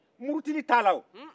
murutili t'a la o